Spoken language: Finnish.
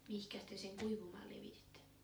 mihinkäs te sen kuivumaan levititte